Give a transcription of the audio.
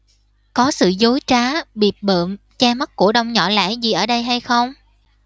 có sự dối trá bịp bợm che mắt cổ đông nhỏ lẻ gì ở đây hay không